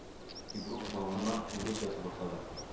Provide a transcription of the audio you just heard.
Ибрук бавыннан элгеч ясый башлады